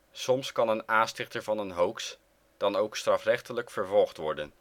Soms kan een aanstichter van een hoax dan ook strafrechtelijk vervolgd worden